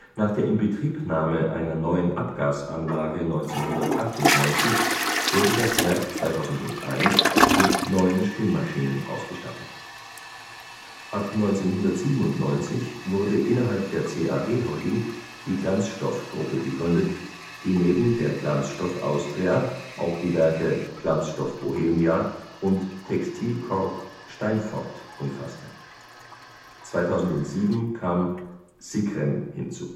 Nach der Inbetriebnahme einer neuen Abgasanlage 1998 wurde das Werk 2001 mit neuen Spinnmaschinen ausgestattet. Ab 1997 wurde innerhalb der CAG Holding die Glanzstoff-Gruppe gegründet, die neben der Glanzstoff Austria auch die Werke Glanzstoff Bohemia und Textilcord Steinfort umfasste, 2007 kam Sicrem hinzu